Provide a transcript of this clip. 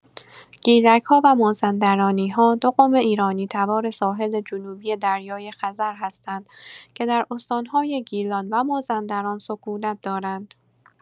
گیلک‌ها و مازندرانی‌ها دو قوم ایرانی‌تبار ساحل جنوبی دریای‌خزر هستند که در استان‌های گیلان و مازندران سکونت دارند.